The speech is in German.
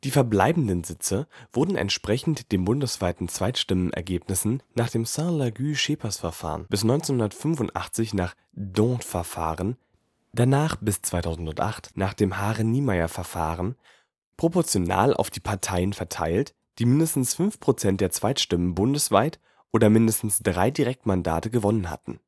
verbleibenden Sitze wurden entsprechend den bundesweiten Zweitstimmenergebnissen nach dem Sainte-Laguë/Schepers-Verfahren (bis 1985 nach D’ Hondt-Verfahren, danach bis 2008 nach dem Hare-Niemeyer-Verfahren) proportional auf die Parteien verteilt, die mindestens 5 % der Zweitstimmen bundesweit oder mindestens drei Direktmandate gewonnen hatten